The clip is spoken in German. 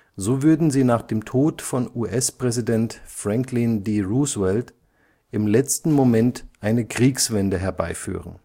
So würden sie nach dem Tod von US-Präsident Franklin D. Roosevelt im letzten Moment eine Kriegswende herbeiführen